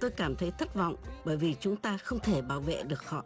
tôi cảm thấy thất vọng bởi vì chúng ta không thể bảo vệ được họ